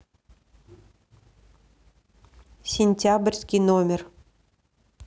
сентябрьский номер